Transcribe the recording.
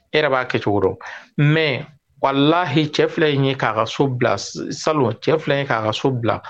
E b'a kɛ cogo mɛ walayi cɛ filɛ in ye k'a ka so bila sa cɛfi ye k'a ka so bila